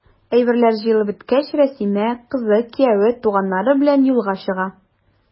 Әйберләр җыелып беткәч, Рәсимә, кызы, кияве, туганнары белән юлга чыга.